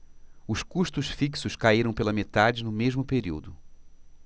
os custos fixos caíram pela metade no mesmo período